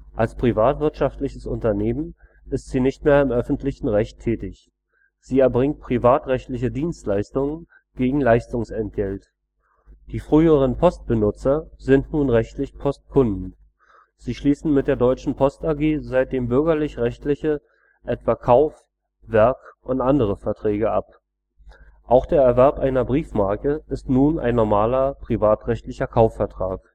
Als privatwirtschaftliches Unternehmen ist sie nicht mehr im öffentlichen Recht tätig. Sie erbringt privatrechtliche „ Dienstleistungen “gegen „ Leistungsentgelt “. Die früheren Post -„ Benutzer “sind nun rechtlich Post -„ Kunden “. Sie schließen mit der Deutschen Post AG seitdem bürgerlich-rechtliche, etwa Kauf -, Werk - und andere Verträge ab. Auch der Erwerb einer Briefmarke ist nun ein normaler privatrechtlicher Kaufvertrag